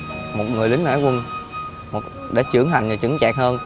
một người lính hải quân một đã trưởng thành và chững chạc hơn